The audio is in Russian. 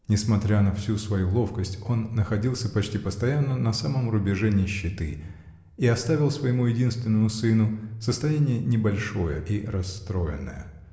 Несмотря на всю свою ловкость, он находился почти постоянно на самом рубеже нищеты и оставил своему единственному сыну состояние небольшое и расстроенное.